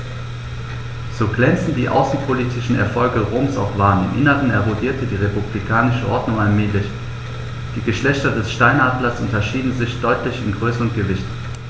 So glänzend die außenpolitischen Erfolge Roms auch waren: Im Inneren erodierte die republikanische Ordnung allmählich. Die Geschlechter des Steinadlers unterscheiden sich deutlich in Größe und Gewicht.